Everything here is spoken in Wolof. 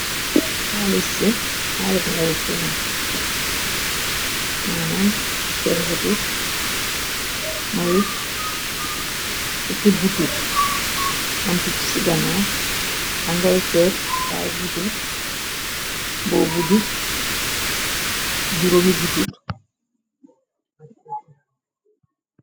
Waalis ngay s mnam ter butut mayu 1ukki butuut ampic ci gana angay seet raay butut boo buji 500 bu tut.